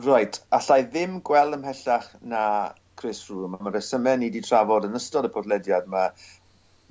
Reit allai ddim gweld ymhellach na Chris Froome am y resyme ni 'di trafod yn ystod yn ystod y podlediad 'ma